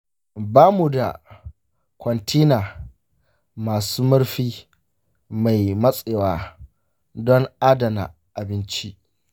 ba mu da kwantena masu murfi mai matsewa don adana abinci.